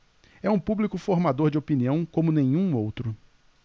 é um público formador de opinião como nenhum outro